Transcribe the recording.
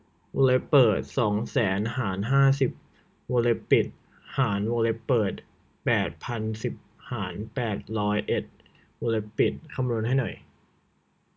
วงเล็บเปิดสองแสนหารห้าสิบวงเล็บปิดหารวงเล็บเปิดแปดพันสิบหารแปดร้อยเอ็ดวงเล็บปิดคำนวณให้หน่อย